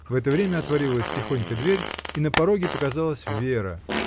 В это время отворилась тихонько дверь, и на пороге показалась Вера.